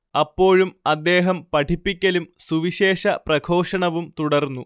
അപ്പോഴും അദ്ദേഹം പഠിപ്പിക്കലും സുവിശേഷ പ്രഘോഷണവും തുടർന്നു